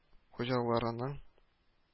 Хуҗаларының